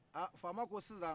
aa faama ko sisan